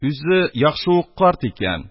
Үзе яхшы ук карт икән,